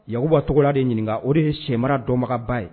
Yakuba tɔgɔla de ɲininka o de ye sɛmara dɔbagaba ye